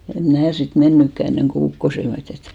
en minä sitten mennytkään ennen kuin ukkosen ilma ohitse meni että